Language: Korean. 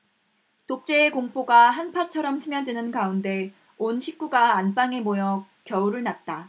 독재의 공포가 한파처럼 스며드는 가운데 온 식구가 안방에 모여 겨울을 났다